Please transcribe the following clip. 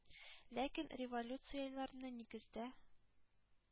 Ләкин революцияләрне нигездә